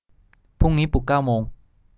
พรุ่งนี้ปลุกเก้าโมง